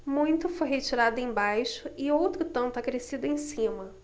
muito foi retirado embaixo e outro tanto acrescido em cima